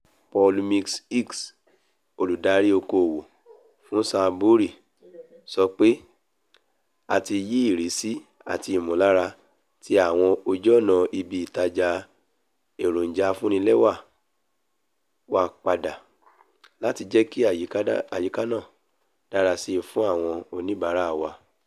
Paul Mills-Hicks, olùdarí oko-òwò fún Sainsbury's, sọ pé: ''A ti yí ìrísí àti ìmọ̀lára ti àwọn ojú ọ̀nà ibi ìtajà èròjà afúnnilẹwà wa padà láti jẹ́kí àyíká náà dára síi fún àwọn oníìbárà wa.